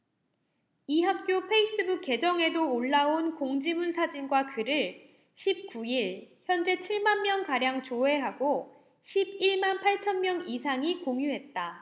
이 학교 페이스북 계정에도 올라온 공지문 사진과 글을 십 구 일 현재 칠 만 명가량 조회하고 십 일 만 팔 천 명 이상이 공유했다